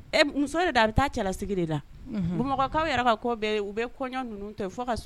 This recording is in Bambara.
Muso bɛ taa cɛlasigi de bamakɔkaw yɛrɛ ka kɔ u bɛ kɔɲɔɔn ninnu tɛ fo ka